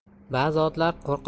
bazi otlar qo'rqib